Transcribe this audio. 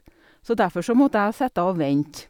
Så derfor så måtte jeg sitte og vente.